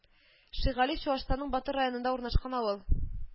Шигали Чуашстанның Батыр районында урнашкан авыл